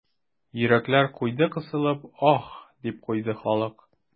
Йөрәкләр куйды кысылып, аһ, дип куйды халык.